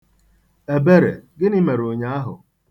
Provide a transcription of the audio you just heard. Ebere, gịnị mere ụnyaahụ?